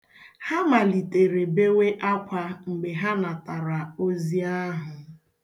Ha malitere bewe akwa mgbe ha natara ozi ahụ.